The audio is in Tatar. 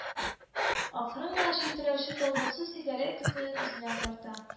Акрын гына челтерәүче талгын су сигарет төтенен үзенә тарта